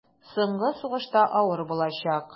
Сиңа сугышта авыр булачак.